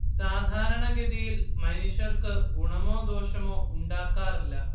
സാധാരണഗതിയിൽ മനുഷ്യർക്ക് ഗുണമോ ദോഷമോ ഉണ്ടാക്കാറില്ല